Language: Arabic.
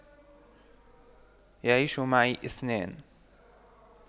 يعيش معي اثنان